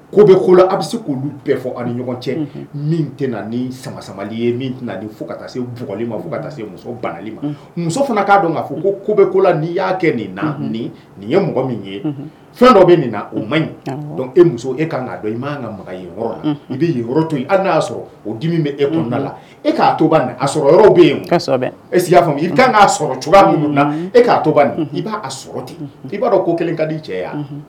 Kobe kola a bɛ se k'olu bɛɛ fɔ ɲɔgɔn cɛ min tɛ ni sama ye fo seugli ma fo se musoli ma muso fana'a dɔn k'a fɔ kobe kola ni y'a kɛ nin na nin nin ye mɔgɔ min ye fɛn dɔ bɛ nin na o man ɲi dɔn e muso e ka' dɔn i m' ka makan la i' to ala'a sɔrɔ o di min bɛ e kunda e k'a to a sɔrɔ yɔrɔ bɛ yen e y'a fɔ i kan'a sɔrɔ cogoya minnu na e k'a to i b'a sɔrɔ ten i b'a dɔn ko kelen ka di cɛ